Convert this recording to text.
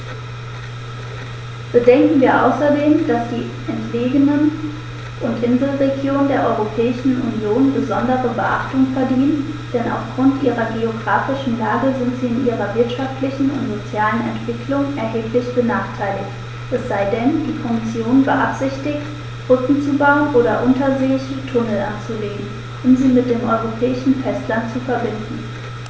Bedenken wir außerdem, dass die entlegenen und Inselregionen der Europäischen Union besondere Beachtung verdienen, denn auf Grund ihrer geographischen Lage sind sie in ihrer wirtschaftlichen und sozialen Entwicklung erheblich benachteiligt - es sei denn, die Kommission beabsichtigt, Brücken zu bauen oder unterseeische Tunnel anzulegen, um sie mit dem europäischen Festland zu verbinden.